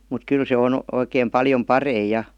mutta kyllä se on oikein paljon parempi ja